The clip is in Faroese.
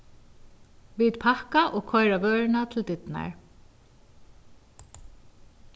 vit pakka og koyra vøruna til dyrnar